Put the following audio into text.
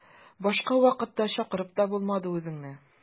Башка вакытта чакырып та булмады үзеңне.